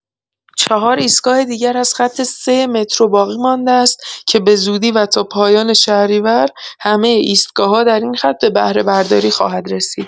۴ ایستگاه دیگر از خط ۳ مترو باقی‌مانده است که به‌زودی و تا پایان شهریور همه ایستگاه‌ها در این خط به بهره‌برداری خواهد رسید.